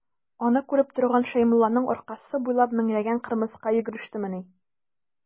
Аны күреп торган Шәймулланың аркасы буйлап меңләгән кырмыска йөгерештемени.